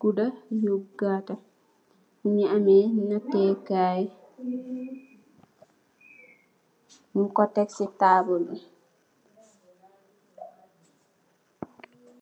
gudda ak you gartta noung ko tek ci tabol bi